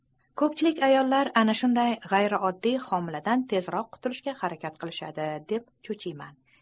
ko'pchilik ayollar ana shunday g'ayrioddiy homiladan tezroq qutilishga harakat qilishadi deb cho'chiyman